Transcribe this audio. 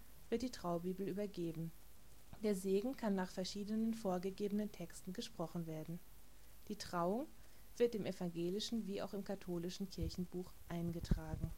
Traubibel übergeben, der Segen kann nach verschiedenen vorgegebenen Texten gesprochen werden. Die Trauung wird im evangelischen wie auch im katholischen Kirchenbuch eingetragen